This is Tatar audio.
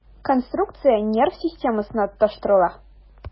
Конструкция нерв системасына тоташтырыла.